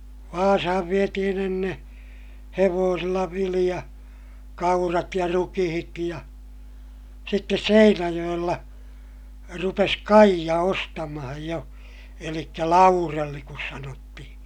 Vaasaan vietiin ennen hevosilla vilja kaurat ja rukiit ja sitten Seinäjoella rupesi Kaija ostamaan jo eli Laurell kun sanottiin